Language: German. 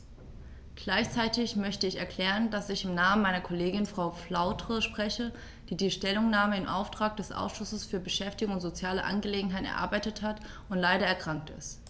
Gleichzeitig möchte ich erklären, dass ich im Namen meiner Kollegin Frau Flautre spreche, die die Stellungnahme im Auftrag des Ausschusses für Beschäftigung und soziale Angelegenheiten erarbeitet hat und leider erkrankt ist.